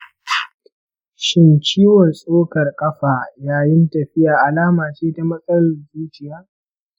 shin ciwon tsokar ƙafa yayin tafiya alama ce ta matsalar zuciya?